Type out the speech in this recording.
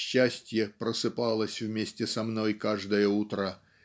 счастье просыпалось вместе со мной каждое утро